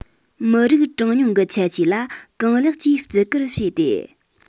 མི རིགས གྲངས ཉུང གི ཁྱད ཆོས ལ གང ལེགས ཀྱིས བརྩི བཀུར བྱས ཏེ